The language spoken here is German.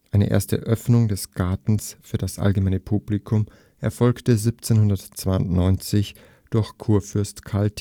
Eine erste Öffnung des Gartens für das allgemeine Publikum erfolgte 1792 unter Kurfürst Karl Theodor